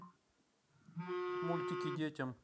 мультики детям